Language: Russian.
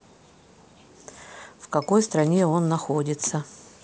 в какой стране он находится